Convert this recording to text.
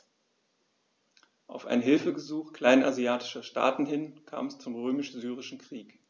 Auf ein Hilfegesuch kleinasiatischer Staaten hin kam es zum Römisch-Syrischen Krieg.